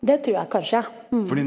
det trur jeg kanskje .